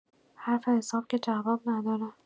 حرف حساب که جواب نداره!